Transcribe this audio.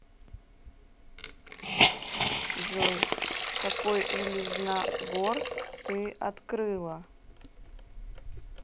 джой какой железногорск ты открыла